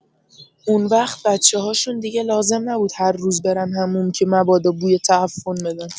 اونوقت بچه‌هاشون دیگه لازم نبود هر روز برن حموم که مبادا بوی تعفن بدن!